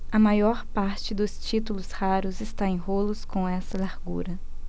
a maior parte dos títulos raros está em rolos com essa largura